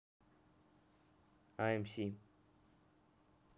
а mc